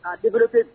Ka